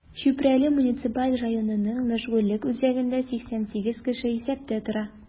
Чүпрәле муниципаль районының мәшгульлек үзәгендә 88 кеше исәптә тора.